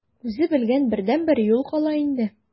Үзе белгән бердәнбер юл кала инде.